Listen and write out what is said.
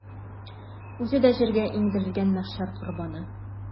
Үзе дә җиргә иңдерелгән мәхшәр корбаны.